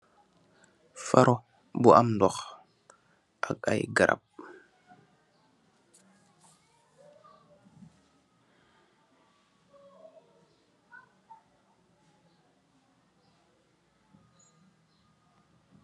Farooq bu am ndox, ak ay garab.